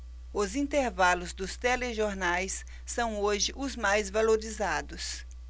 os intervalos dos telejornais são hoje os mais valorizados